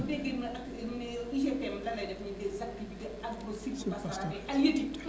bu dee * UGPM lan lay def des activités agrosilvopastoral et alieutique